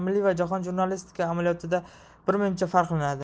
milliy va jahon jurnalistikasi amaliyotida birmuncha farqlanadi